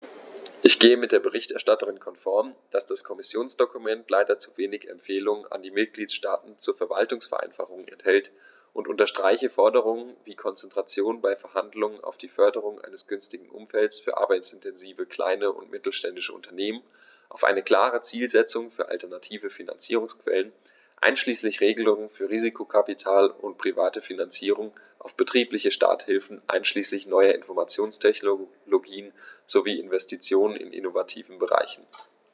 Ich gehe mit der Berichterstatterin konform, dass das Kommissionsdokument leider zu wenig Empfehlungen an die Mitgliedstaaten zur Verwaltungsvereinfachung enthält, und unterstreiche Forderungen wie Konzentration bei Verhandlungen auf die Förderung eines günstigen Umfeldes für arbeitsintensive kleine und mittelständische Unternehmen, auf eine klare Zielsetzung für alternative Finanzierungsquellen einschließlich Regelungen für Risikokapital und private Finanzierung, auf betriebliche Starthilfen einschließlich neuer Informationstechnologien sowie Investitionen in innovativen Bereichen.